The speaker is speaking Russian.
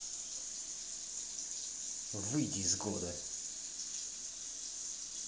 выйди из года